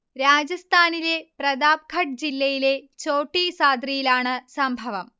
രാജസ്ഥാനിലെ പ്രതാപ്ഖഡ് ജില്ലയിലെ ഛോട്ടി സാദ്രിയിലാണ് സംഭവം